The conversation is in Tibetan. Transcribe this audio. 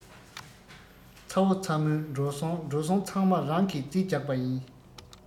ཚ བོ ཚ མོའི འགྲོ སོང འགྲོ སོང ཚང མ རང གིས རྩིས རྒྱག པ ཡིན